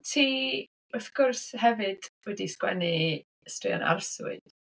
Ti wrth gwrs hefyd wedi sgwennu straeon arswyd.